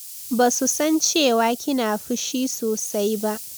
Ba su san cewa kina fushi sosai ba.